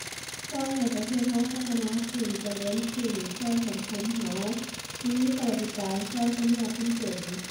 ช่วยให้ประเทศช่วยพัฒนาขึ้น เจริญขึ้น ช่วยสังคมช่วย มีสวัสดิการ ช่วยคนยากคนจน